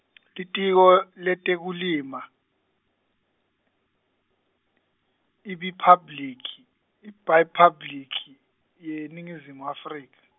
Litiko, leTekulima, iBiphabliki-, IRiphabliki, yeNingizimu Afrika.